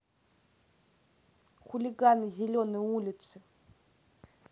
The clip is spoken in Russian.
хулиганы зеленой улицы